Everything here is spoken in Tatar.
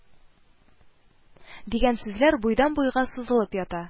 Дигән сүзләр буйдан-буйга сузылып ята